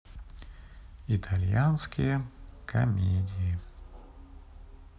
итальянские комедии